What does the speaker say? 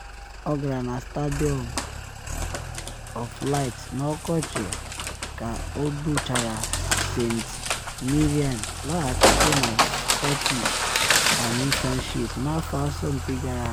Ọ gara na Stadium of Light n’ọkọchị a ka o duchara St Mirren laghachite na Scottish Premiership n’afọ asọmpi gara aga.